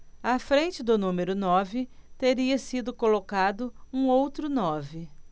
à frente do número nove teria sido colocado um outro nove